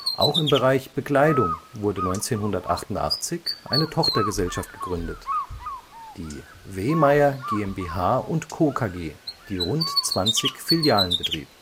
Auch im Bereich Bekleidung wurde 1988 eine Tochtergesellschaft gegründet: die „ Wehmeyer GmbH & Co. KG “, die rund 20 Filialen betrieb